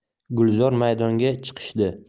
gulzor maydonga chiqishdi